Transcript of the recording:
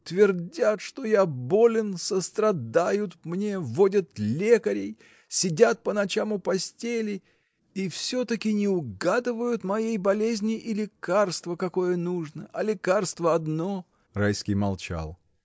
Твердят, что я болен, сострадают мне, водят лекарей, сидят по ночам у постели — и все-таки не угадывают моей болезни и лекарства, какое нужно, а лекарство одно. Райский молчал.